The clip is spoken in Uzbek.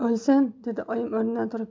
o'lsin dedi oyim o'rnidan turib